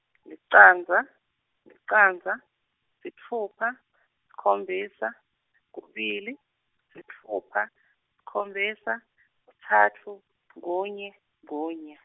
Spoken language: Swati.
licandza licandza sitfupha sikhombisa kubili sitfupha sikhombisa kutsatfu kunye kunye.